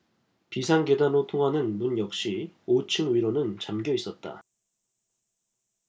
비상계단으로 통하는 문 역시 오 층 위로는 잠겨 있었다